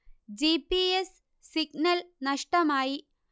ജീ P S signal നഷ്ടമായി